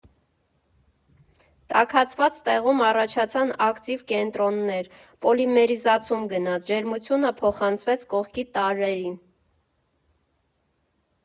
Տաքացված տեղում առաջացան ակտիվ կենտրոններ, պոլիմերիզացում գնաց, ջերմությունը «փոխանցվեց» կողքի տարրերին։